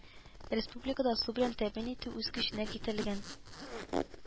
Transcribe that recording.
Республикада су белән тәэмин итү үз көченә китерелгән